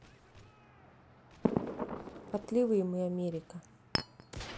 потливые мы америка